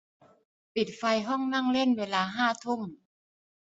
ปิดไฟห้องนั่งเล่นเวลาห้าทุ่ม